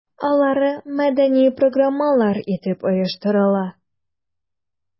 Алары мәдәни программалар итеп оештырыла.